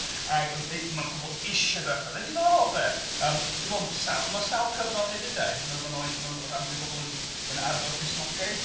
Ag yy mae pobl eisiau darllen... Mae'n ddiddorol 'de yym dwi'n meddwl sa- a mewn sawl cyfnod hefyd 'de. Hyd yn oed mewn oes pan oedd rhan fwyaf o bobl yn yn arddo Cristnogaeth.